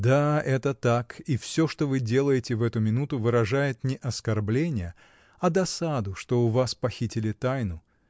— Да, это так, и всё, что вы делаете в эту минуту, выражает не оскорбление, а досаду, что у вас похитили тайну.